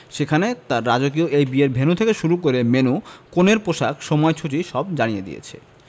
সেখানে তারা রাজকীয় এই বিয়ের ভেন্যু থেকে শুরু করে মেন্যু কনের পোশাক সময়সূচী সব জানিয়ে দিয়েছে